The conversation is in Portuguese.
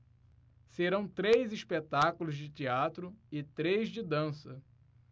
serão três espetáculos de teatro e três de dança